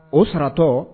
O saratɔ